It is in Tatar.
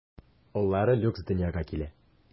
Уллары Люкс дөньяга килә.